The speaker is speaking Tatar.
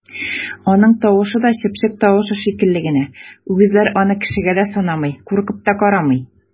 Аның тавышы да чыпчык тавышы шикелле генә, үгезләр аны кешегә дә санамый, куркып та карамый!